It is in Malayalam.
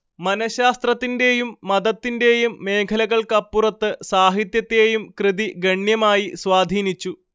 മനഃശാസ്ത്രത്തിന്റേയും മതത്തിന്റേയും മേഖലകൾക്കപ്പുറത്ത് സാഹിത്യത്തേയും കൃതി ഗണ്യമായി സ്വാധീനിച്ചു